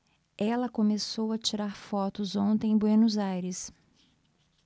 ela começou a tirar fotos ontem em buenos aires